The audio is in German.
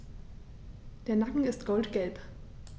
Der Nacken ist goldgelb.